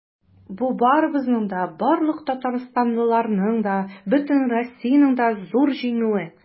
Бу барыбызның да, барлык татарстанлыларның да, бөтен Россиянең дә зур җиңүе.